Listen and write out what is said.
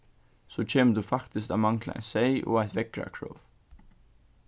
so kemur tú faktiskt at mangla ein seyð og eitt veðrakrov